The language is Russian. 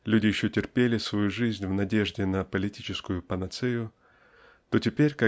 люди еще терпели свою жизнь в надежде на политическую панацею то теперь